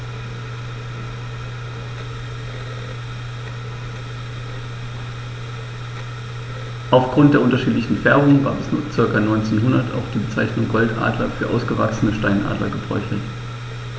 Auf Grund der unterschiedlichen Färbung war bis ca. 1900 auch die Bezeichnung Goldadler für ausgewachsene Steinadler gebräuchlich.